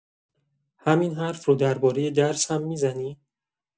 همین حرف رو درباره درس هم می‌زنی؟